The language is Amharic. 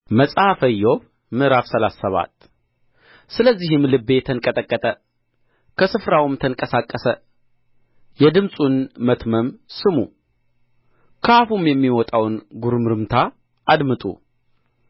መጽሐፈ ኢዮብ ምዕራፍ ሰላሳ ሰባት ስለዚህም ልቤ ተንቀጠቀጠ ከስፍራውም ተንቀሳቀሰ የድምፁን መትመም ስሙ ከአፉም የሚወጣውን ጕርምርምታ አድምጡ